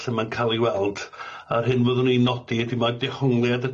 A'r hyn fyddwn i'n nodi ydi ma' dehongliad y cyngor